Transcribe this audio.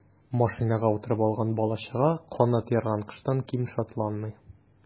Машинага утырып алган бала-чага канат ярган коштан ким шатланмый.